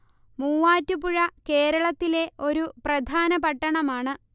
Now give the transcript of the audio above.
മൂവാറ്റുപുഴ കേരളത്തിലെ ഒരു പ്രധാന പട്ടണമാണ്